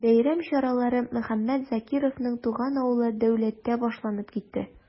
Бәйрәм чаралары Мөхәммәт Закировның туган авылы Дәүләттә башланып китте.